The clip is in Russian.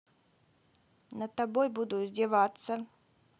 над тобой будут издеваться